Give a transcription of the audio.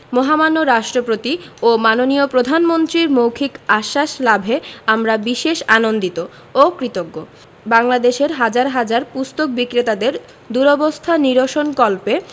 মহামান্য রাষ্ট্রপতি ও মাননীয় প্রধানমন্ত্রীর মৌখিক আশ্বাস লাভে আমরা বিশেষ আনন্দিত ও কৃতজ্ঞ বাংলাদেশের হাজার হাজার পুস্তক বিক্রেতাদের দুরবস্থা নিরসনকল্পে